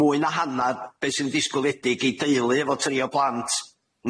mwy na hannar be' sy'n disgwyliedig i deulu efo tri o plant